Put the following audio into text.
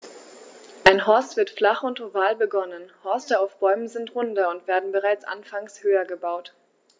Ein Horst wird flach und oval begonnen, Horste auf Bäumen sind runder und werden bereits anfangs höher gebaut.